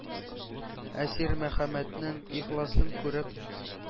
Әсир Мөхәммәтнең ихласын күреп,